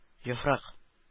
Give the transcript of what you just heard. Яфрак